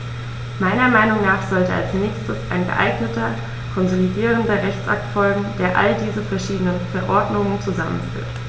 Meiner Meinung nach sollte als nächstes ein geeigneter konsolidierender Rechtsakt folgen, der all diese verschiedenen Verordnungen zusammenführt.